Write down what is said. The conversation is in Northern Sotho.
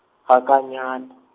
ga ka nyal- .